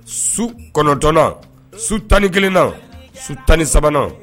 Su kɔnɔntna su tan ni kelenna su tan ni sabanan